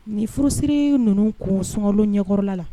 Ni furusi ninnu ko sungɔ ɲɛkɔrɔ la la